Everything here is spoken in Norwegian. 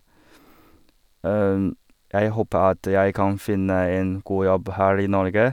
Jeg håper at jeg kan finne en god jobb her i Norge.